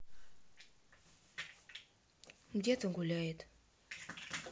где то гуляет